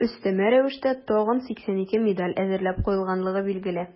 Өстәмә рәвештә тагын 82 медаль әзерләп куелганлыгы билгеле.